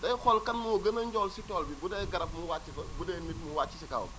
day xool kan moo gën a ñool si tool bi bu dee garab mu wàcc fa bu dee nit mu wàcc si kawam